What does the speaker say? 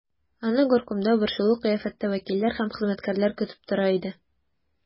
Аны горкомда борчулы кыяфәттә вәкилләр һәм хезмәткәрләр көтеп тора иде.